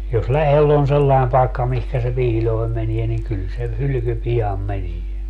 jos lähellä on sellainen paikka mihin se piiloon menee niin kyllä se hylky pian menee